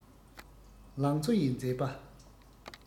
ལང ཚོ ཡི མཛེས པ